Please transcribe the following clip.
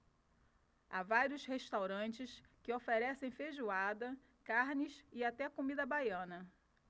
há vários restaurantes que oferecem feijoada carnes e até comida baiana